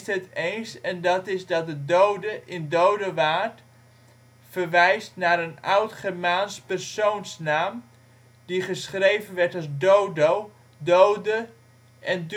het eens en dat is dat de ' Dode ' in Dodewaart verwijst naar een oude Germaanse persoonsnaam die geschreven werd als Dodo, Dode en